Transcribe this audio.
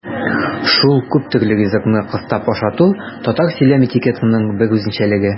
Шул күптөрле ризыкны кыстап ашату татар сөйләм этикетының бер үзенчәлеге.